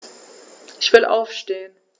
Ich will aufstehen.